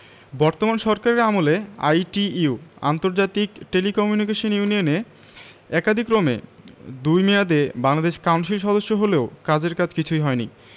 বর্তমান সরকারের আমলে আইটিইউ আন্তর্জাতিক টেলিকমিউনিকেশন ইউনিয়ন এ একাদিক্রমে দুই মেয়াদে বাংলাদেশ কাউন্সিল সদস্য হলেও কাজের কাজ কিছুই হয়নি